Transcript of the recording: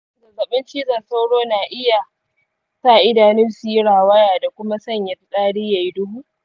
shin zazzaɓin cizon sauro na iya sa idanu su yi rawaya da kuma sanya fitsari ya yi duhu?